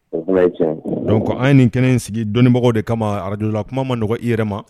O kuma ye tiɲɛ ye. Donc an ye nin kɛnɛ in sigi dɔnnibagaw de kama Radio la kuma ma nɔgɔn i yɛrɛ ma.